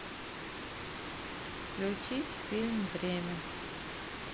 включить фильм время